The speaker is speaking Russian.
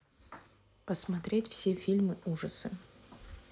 посмотреть все фильмы ужасы